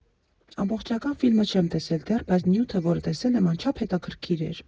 Ամբողջական ֆիլմը չեմ տեսել դեռ, բայց նյութը, որը տեսել եմ, անչափ հետաքրքիր էր։